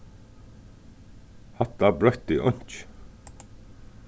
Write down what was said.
hatta broytti einki